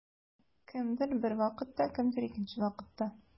Кемдер бер вакытта, кемдер икенче вакытта.